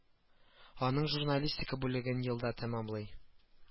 Аның журналистика бүлеген елда тәмамлый